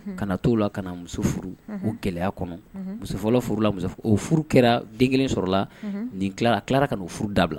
Ka na t'o la ka na muso furu, unhun, o gɛlɛya kɔnɔ, unhun, muso fɔlɔ furula musof o furu kɛra den kelen sɔrɔla, nhun, nin tilala a tilala ka n'o furu dabila